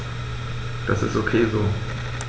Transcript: Das ist ok so.